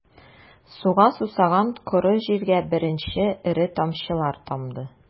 Суга сусаган коры җиргә беренче эре тамчылар тамды...